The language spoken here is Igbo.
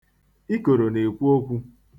Ikoro na-ekwu okwu.